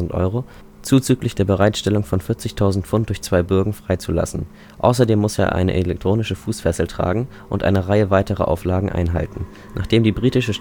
€) zuzüglich der Bereitstellung von 40.000 Pfund durch zwei Bürgen freizulassen. Außerdem muss er eine elektronische Fußfessel tragen und eine Reihe weiterer Auflagen einhalten. Nachdem die britische